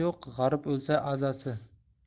yo'q g'arib o'lsa azasi